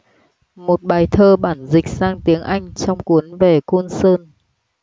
một bài thơ bản dịch sang tiếng anh trong cuốn về côn sơn